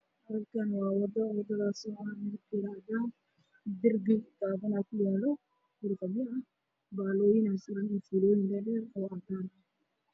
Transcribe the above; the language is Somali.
Halkaan waa wado midabkeedu waa cadaan, darbi gaabana kuyaalo, guri qabyo ah iyo taakooyin oo fiilooyin kuxiran yihiin.